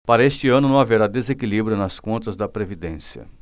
para este ano não haverá desequilíbrio nas contas da previdência